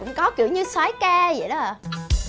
cũng có kiểu như soái ca vậy đó